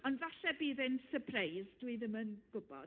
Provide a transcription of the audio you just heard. Ond falle bydd e'n sypreis, dwi i ddim yn gwbod.